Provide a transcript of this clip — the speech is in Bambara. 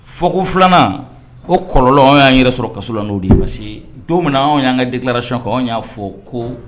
Fɔko filanan o kɔlɔn anw y'an yɛrɛ sɔrɔ kaso la n'o de parce don min anw y'an ka delikirasi kan y'a fɔ ko